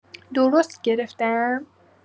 درست گرفته‌ام؟!